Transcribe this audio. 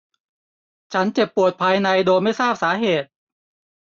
ฉันเจ็บปวดภายในโดยไม่ทราบสาเหตุ